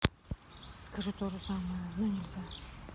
скажи тоже самое но нельзя